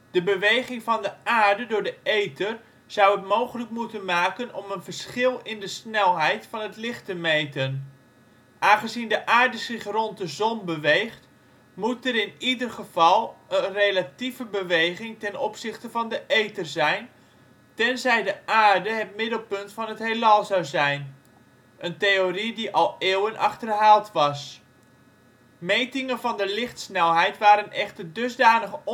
De beweging van de aarde door de ether zou het mogelijk moeten maken om een verschil in de snelheid van het licht te meten. Aangezien de aarde zich rond de zon beweegt, moet er in ieder geval een relatieve beweging ten opzichte van de ether zijn, tenzij de aarde het middelpunt van het heelal zou zijn, een theorie die al eeuwen achterhaald was. Metingen van de lichtsnelheid waren echter dusdanig onnauwkeurig